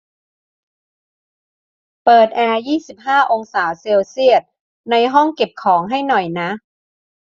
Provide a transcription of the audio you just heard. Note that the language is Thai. เปิดแอร์ยี่สิบห้าองศาเซลเซียสในห้องเก็บของให้หน่อยนะ